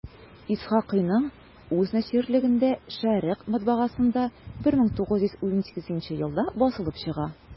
Исхакыйның үз наширлегендә «Шәрекъ» матбагасында 1918 елда басылып чыга.